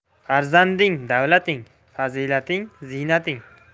farzanding davlating fazilating ziynating